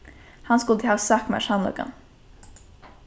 hann skuldi havt sagt mær sannleikan